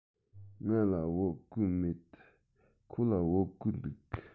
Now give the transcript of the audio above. ང ལ བོད གོས མེད ཁོ ལ བོད གོས འདུག